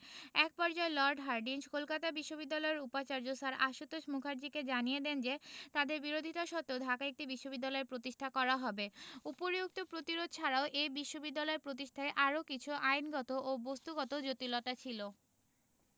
এক পর্যায়ে Lord Hardinge Kolkata বিশ্ববিদ্যালয়ের উপাচার্য স্যার আশুতোষ মুখার্জীকে জানিয়ে দেন যে তাঁদের বিরোধিতা সত্ত্বেও ঢাকায় একটি বিশ্ববিদ্যালয় প্রতিষ্ঠা করা হবে উপরিউক্ত প্রতিরোধ ছাড়াও এ বিশ্ববিদ্যালয় প্রতিষ্ঠায় আরও কিছু আইনগত ও বস্ত্তগত জটিলতা ছিল